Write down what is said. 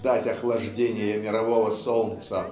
ждать охлаждения мирового солнца